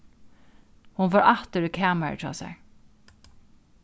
hon fór aftur í kamarið hjá sær